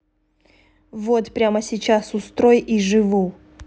вот прямо сейчас устрой и живо